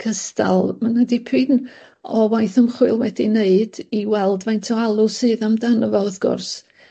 cystal ma' 'na dipyn o waith ymchwil wedi wneud i weld faint o alw sydd amdano fo wrth gwrs